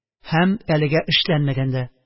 Һәм әлегә эшләнмәгән дә